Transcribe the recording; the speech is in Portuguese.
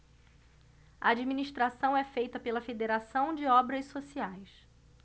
a administração é feita pela fos federação de obras sociais